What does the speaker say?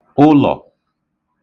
ụlọ̀